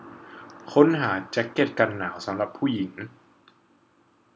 ค้นหาแจ๊กเก็ตกันหนาวสำหรับผู้หญิง